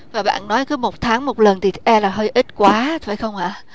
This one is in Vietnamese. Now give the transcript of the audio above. và bạn nói cứ một tháng một lần thì e là hơi ít quá phải không ạ